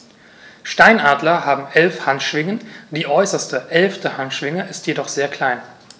Steinadler haben 11 Handschwingen, die äußerste (11.) Handschwinge ist jedoch sehr klein.